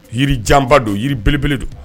Yiri janba don jiri belebele don